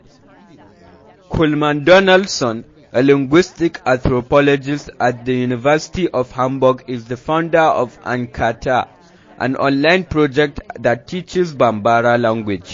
Coleman Donaldson, a linguistic anthropologist at the University of Hamburg is the founder of An ka taa (“let’s go”) an online project that teaches Bambara language.